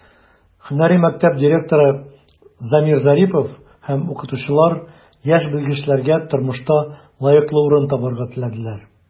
Һөнәри мәктәп директоры Замир Зарипов һәм укытучылар яшь белгечләргә тормышта лаеклы урын табарга теләделәр.